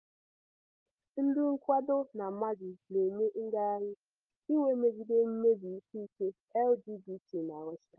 Ndị nkwado na Madrid na-eme ngagharị iwe megide mmebi ikike LGBT na Russia.